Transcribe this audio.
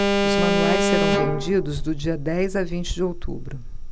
os manuais serão vendidos do dia dez a vinte de outubro